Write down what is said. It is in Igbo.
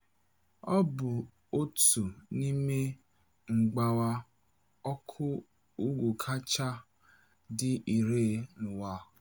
Ọ bụ otu n'ime mgbawa ọkụ ugwu kacha dị irè n'ụwa.